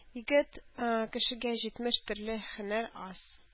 Егет кешегә җитмеш төрле һөнәр аз.